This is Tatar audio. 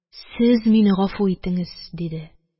Сез мине гафу итеңез! – диде.